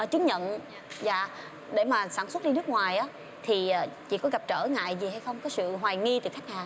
họ chứng nhận dạ để mà sản xuất đi nước ngoài á thì chị có gặp trở ngại gì hay không có sự hoài nghi từ khách hàng